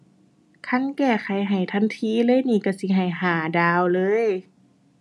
คันแก้ไขให้ทันทีเลยนี่ก็สิให้ห้าดาวเลย